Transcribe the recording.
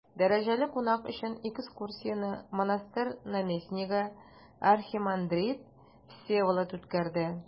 Дәрәҗәле кунак өчен экскурсияне монастырь наместнигы архимандрит Всеволод үткәрде.